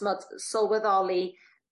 t'mod sylweddoli